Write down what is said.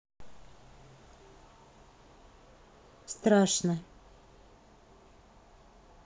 страшно